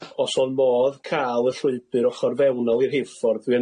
os o'dd modd ca'l y llwybyr ochor fewnol i'r rheiffordd, dwi